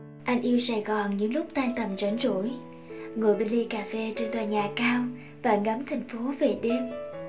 anh yêu sài gòn những lúc tan tầm rảnh rỗi ngồi bên ly cafe trên tòa nhà cao và ngắm thành phố về đêm